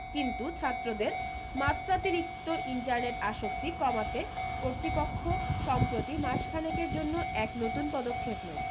কিন্তু ছাত্রদের মাত্রাতীরিক্ত ইন্টারনেট আসক্তি কমাতে কর্তৃপক্ষ সম্প্রতি মাসখানেকের জন্য এক নতুন পদক্ষেপ নেন